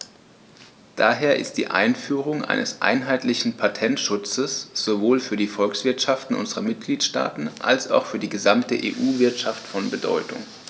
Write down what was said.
Daher ist die Einführung eines einheitlichen Patentschutzes sowohl für die Volkswirtschaften unserer Mitgliedstaaten als auch für die gesamte EU-Wirtschaft von Bedeutung.